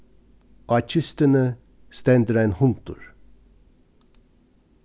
á kistuni stendur ein hundur